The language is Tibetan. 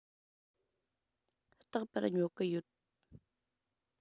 རྟག པར ཉོ གི ཡོད